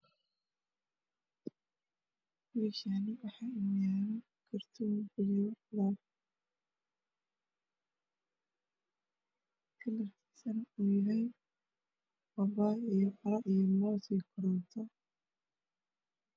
Meshsni waxa ino yalo karton kujiro qudar kalarkis oow yahay babaay io qaro io moos io karoto